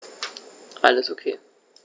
Alles OK.